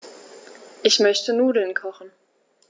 Ich möchte Nudeln kochen.